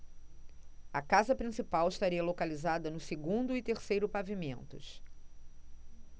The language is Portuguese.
a casa principal estaria localizada no segundo e terceiro pavimentos